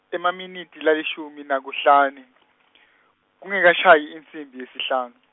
Emaminitsi lalishumi nakuhlanu , kungakashayi insimbi yesihlanu.